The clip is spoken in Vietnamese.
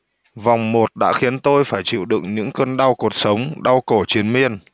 vòng một đã khiến tôi phải chịu đựng những cơn đau cột sống đau cổ triền miên